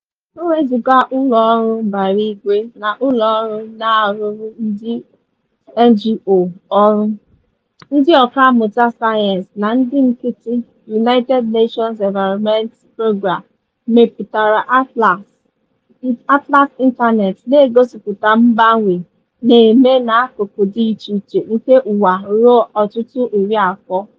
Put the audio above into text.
Wezuga ụlọọrụ mbaraigwe na ụlọọrụ na-arụrụ ndị NGO ọrụ, ndị ọkàmmụta sayensị na ndị nkịtị, United Nations Environment Programme mepụtara atlas ịntaneetị na-egosịpụta mgbanwe na-eme n'akụkụ dị icheiche nke ụwa ruo ọtụtụ iri afọ.